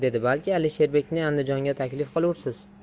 dedi balki alisherbekni andijonga taklif qilursiz